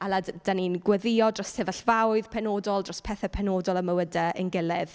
Ala- dan ni'n gweddïo dros sefyllfaoedd penodol, dros pethe penodol ym mywydau yn gilydd.